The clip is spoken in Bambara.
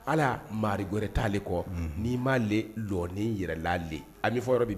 Ala maari wɛrɛrɛ ta ale kɔ n'i m maa le dɔɔni yɛrɛlalen an bɛ fɔ yɔrɔ bɛ